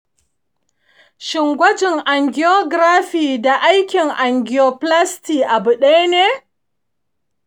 shin gwajin angiography da aikin angioplasty abu ɗaya ne?